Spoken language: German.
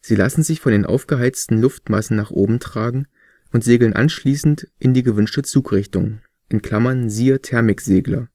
Sie lassen sich von den aufgeheizten Luftmassen nach oben tragen und segeln anschließend in die gewünschte Zugrichtung (siehe Thermiksegler